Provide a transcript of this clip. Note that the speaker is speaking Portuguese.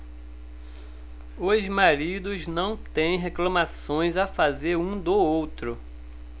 os maridos não têm reclamações a fazer um do outro